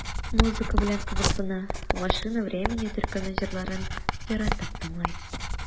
Музыка белән кызыксына, "Машина времени" төркеме җырларын яратып тыңлый.